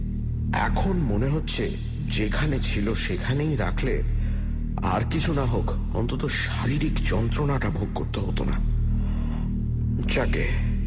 এখন মনে হচ্ছে যেখানে ছিল সেখানেই রাখলে আর কিছু না হোক অন্তত শারীরিক যন্ত্রণাটা ভোগ করতে হত না যাক গে